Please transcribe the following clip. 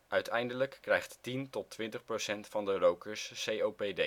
Uiteindelijk krijgt 10-20 % van de rokers COPD. Het